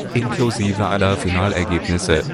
inklusive aller Finalergebnisse